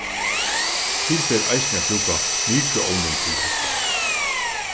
til ber eisini at brúka mikroovnin til hetta